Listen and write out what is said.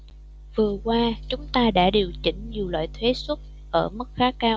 vừa qua chúng ta đã điều chỉnh nhiều loại thuế suất ở mức khá cao